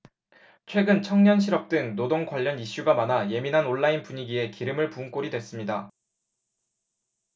최근 청년 실업 등 노동 관련 이슈가 많아 예민한 온라인 분위기에 기름을 부은 꼴이 됐습니다